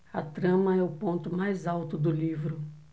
a trama é o ponto mais alto do livro